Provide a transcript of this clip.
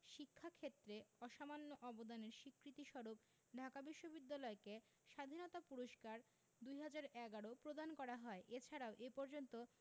শিক্ষা ক্ষেত্রে অসামান্য অবদানের স্বীকৃতিস্বরূপ ঢাকা বিশ্ববিদ্যালয়কে স্বাধীনতা পুরস্কার ২০১১ প্রদান করা হয় এছাড়াও এ পর্যন্ত